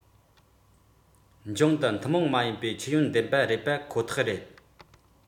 རྡོ འབོར ཆེན བྱུང ནས སྤུངས འདུག པ ཁོ ཐག རེད